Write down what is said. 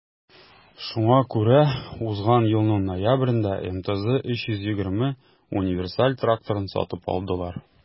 Шуңа күрә узган елның ноябрендә МТЗ 320 универсаль тракторын сатып алдылар.